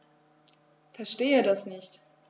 Verstehe das nicht.